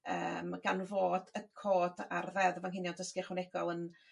Yy ma' gan fod y cod ar ddeddf anghenion dysgu ychwanegol yn